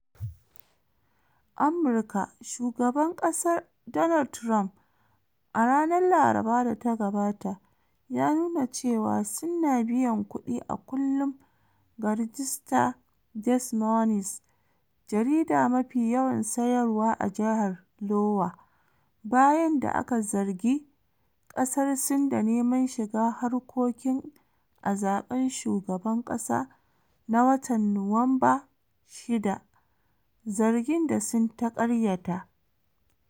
Amurka Shugaban kasar Donald Trump a ranar Laraba da ta gabata ya nuna cewa Sin na biyan kudi a kullum ga ragista Des Moines - Jarida mafi yawan sayarwa a Jihar Iowa - bayan da aka zarge kasar Sin da neman shiga harkokin a zaben shugaban kasa na watan Nuwamba 6, zargin da Sin ta karyata.